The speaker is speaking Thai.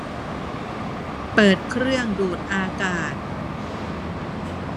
เปิดเครื่องดูดอากาศ